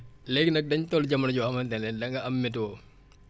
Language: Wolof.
léegi nag dañ toll jamono joo xamante ne danga am météo